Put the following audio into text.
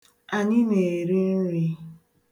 Anyị na-eri nri.